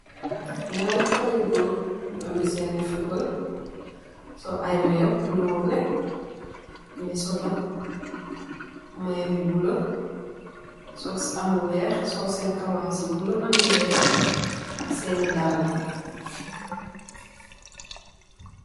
Ñaari xalèh yu gór yu ameh sèèn ni futbal, sol ay moyoh niroleh. Ñi ñgi sol nat moyoh yu bula am lu wèèx, sol sèèn kawas yu bula am lu wèèx.